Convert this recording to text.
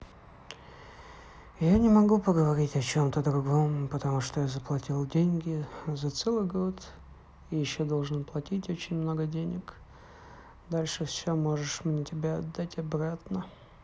я не могу поговорить о чем то другом потому что я заплатил деньги за целый год и еще должен платить очень много денег дальше все можешь мне тебя отдать обратно